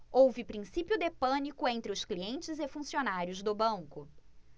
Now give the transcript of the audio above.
houve princípio de pânico entre os clientes e funcionários do banco